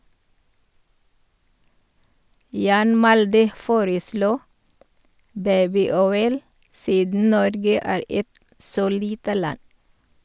Jan Malde foreslo "Babyoil", siden Norge er et så lite land.